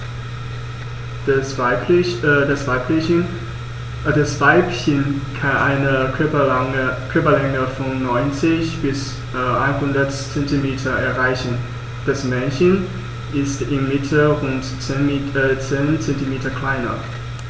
Das Weibchen kann eine Körperlänge von 90-100 cm erreichen; das Männchen ist im Mittel rund 10 cm kleiner.